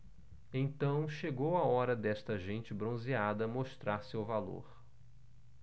então chegou a hora desta gente bronzeada mostrar seu valor